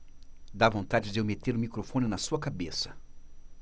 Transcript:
dá vontade de eu meter o microfone na sua cabeça